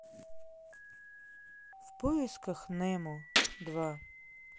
в поисках немо два